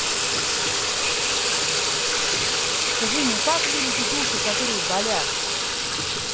скажи мне как вылечить уши которые болят